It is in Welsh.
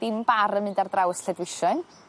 dim bar yn mynd ar draws lle dwi isio un